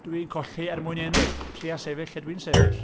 Dwi'n colli er mwyn ennill. Tria sefyll lle dwi'n sefyll.